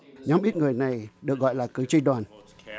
nhóm ít người này được gọi là cử tri đoàn